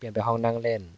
เปลี่ยนไปห้องนั่งเล่น